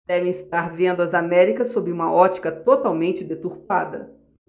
devem estar vendo as américas sob uma ótica totalmente deturpada